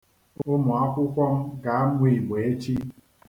Ụmụakwụkwọ m ga-amụ Igbo echi.